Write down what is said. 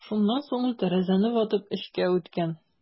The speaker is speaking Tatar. Шуннан соң ул тәрәзәне ватып эчкә үткән.